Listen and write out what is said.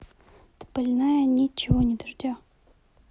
ты больная нет чего не дождя